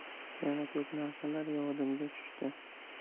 yana ko'p narsalar yodimga tushdi